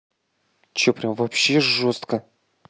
че прям вообще жестко